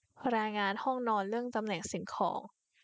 รายงานห้องนอนเรื่องตำแหน่งสิ่งของ